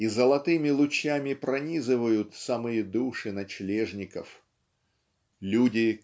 и золотыми лучами пронизывают самые души ночлежников. Люди